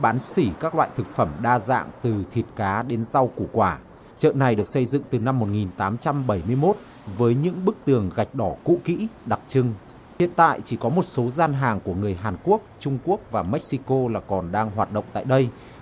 bán sỉ các loại thực phẩm đa dạng từ thịt cá đến rau củ quả chợ này được xây dựng từ năm một nghìn tám trăm bảy mươi mốt với những bức tường gạch đỏ cũ kỹ đặc trưng hiện tại chỉ có một số gian hàng của người hàn quốc trung quốc và mếc xi cô là còn đang hoạt động tại đây